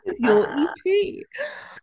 It's your EP!